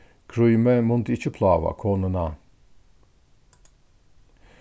krímið mundi ikki plága konuna